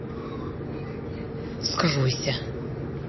вскройся